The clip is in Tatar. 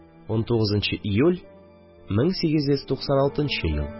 19 нчы июль, 1896 ел